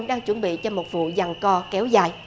đang chuẩn bị cho một vụ giằng co kéo dài